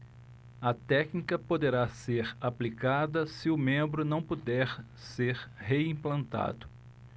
a técnica poderá ser aplicada se o membro não puder ser reimplantado